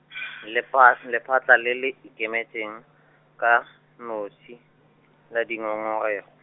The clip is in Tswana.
Lefasin-, Lephatla le le Ikemetseng, ka, Nosi, la Dingongorego.